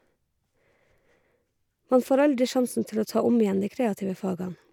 Man får aldri sjansen til å ta om igjen de kreative faga.